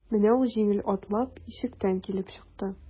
Менә ул җиңел атлап ишектән килеп чыкты.